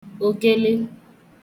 ògele